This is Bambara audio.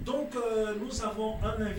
Donc nous avons un invi